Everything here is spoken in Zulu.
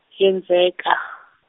yenzeka.